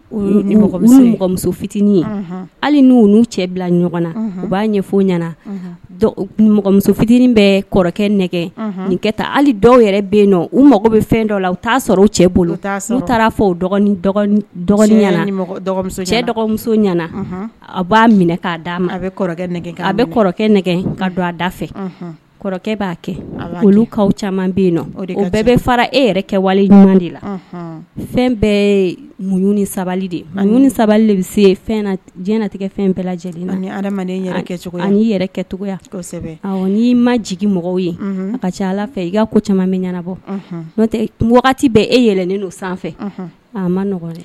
U ni mɔgɔmuso fitinin ye hali n' nu cɛ bila ɲɔgɔn na u b'a ɲɛfɔ ɲɛna mɔgɔmuso fitinin bɛ kɔrɔkɛ nɛgɛ ka taa hali dɔw yɛrɛ bɛ u mago bɛ fɛn dɔ la u t'a sɔrɔ u cɛ bolo u taara omuso ɲɛna a b'a minɛ k'a d'a ma a bɛ a bɛ kɔrɔkɛ nɛgɛ ka don a da fɛ kɔrɔkɛ b'a kɛ caman bɛ bɛɛ bɛ fara e yɛrɛ kɛ wali ɲuman de la fɛn bɛ muɲ sabali de sabali de bɛ se diɲɛɲɛnatigɛ fɛn bɛɛ lajɛlen yɛrɛ kɛcogoya ɔ n'i ma jigi mɔgɔ ye ka ca ala fɛ i ka ko caman min ɲɛnabɔ n tɛ wagati bɛ eɛlɛnlen don sanfɛ a ma